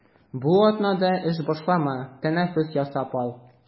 Бу атнада эш башлама, тәнәфес ясап ал.